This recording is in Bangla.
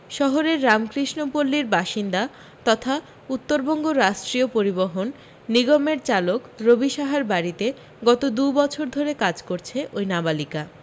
শহরের রামকৃষ্ণপল্লির বাসিন্দা তথা উত্তরবঙ্গ রাষ্ট্রীয় পরিবহন নিগমের চালক রবি সাহার বাড়ীতে গত দুবছর ধরে কাজ করছে ওই নাবালিকা